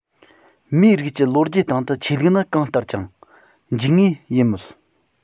མིའི རིགས ཀྱི ལོ རྒྱུས སྟེང དུ ཆོས ལུགས ནི གང ལྟར ཀྱང འཇིག ངེས ཡིན མོད